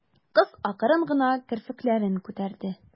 Кыз акрын гына керфекләрен күтәрде.